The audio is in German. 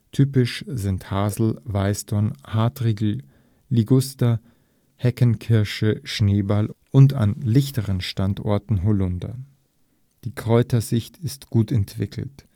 Typisch sind Hasel, Weißdorn, Hartriegel, Liguster, Heckenkirsche, Schneeball und an lichteren Standorten Holunder. Die Krautschicht ist gut entwickelt